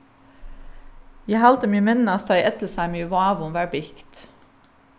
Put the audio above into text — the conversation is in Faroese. eg haldi meg minnast tá ellisheimið í vágum var bygt